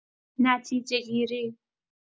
نتیجه‌گیری